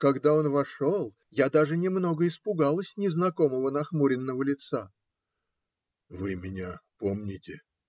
Когда он вошел, я даже немного испугалась незнакомого нахмуренного лица. - Вы меня помните?